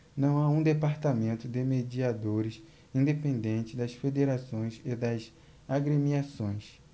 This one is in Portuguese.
não há um departamento de mediadores independente das federações e das agremiações